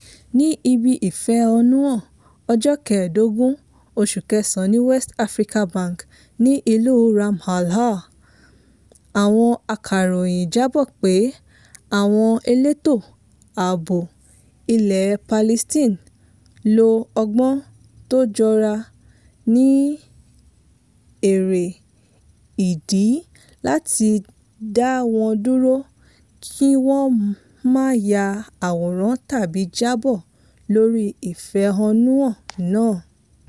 Ní ibi ìfẹhónúhàn ọjọ́ kẹẹ̀dógún oṣù kẹfà ní West Bank ní ìlú Ramallah, àwọn akọ̀ròyìn jábọ̀ pé àwọn elétò àbò ilẹ̀ Palestine lo ọgbọ́n tí ó jọra ní èrè ìdí láti dá wọn dúró kí wọ́n má ya àwòrán tàbí jábọ̀ lórí ìfẹhónúhàn náà.